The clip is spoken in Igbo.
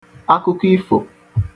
akụkọ ifò